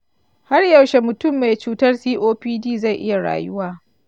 har yaushe mutum mai cutar copd zai iya rayuwa?